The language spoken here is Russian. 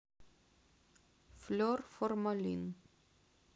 fleur формалин